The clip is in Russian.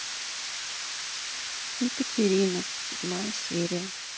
екатерина седьмая серия